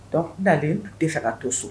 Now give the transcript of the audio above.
Donc tɛ fɛ ka to so.